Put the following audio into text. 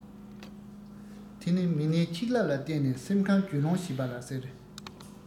དེ ནི མི སྣའི ཆིག ལབ ལ བརྟེན ནས སེམས ཁམས རྒྱུས ལོན བྱེད པ ལ ཟེར